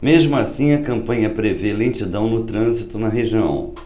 mesmo assim a companhia prevê lentidão no trânsito na região